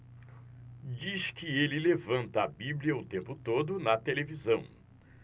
diz que ele levanta a bíblia o tempo todo na televisão